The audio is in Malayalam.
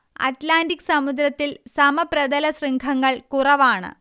അറ്റ്ലാന്റിക് സമുദ്രത്തിൽ സമപ്രതലശൃംഖങ്ങൾ കുറവാണ്